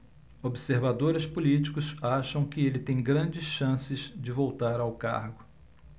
observadores políticos acham que ele tem grandes chances de voltar ao cargo